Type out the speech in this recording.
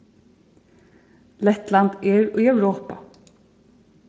lettland er í europa